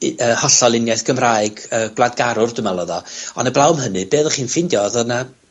u- yy hollol uniaith Gymraeg, Y Gwladgarwr dw meddwl odd o, ond heblaw am hynny, be oddech chi'n ffindio odd yna,